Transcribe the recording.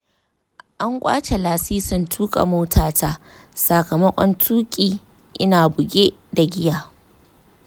an ƙwace lasisin tuka motata sakamakon tuki ina buge da giya.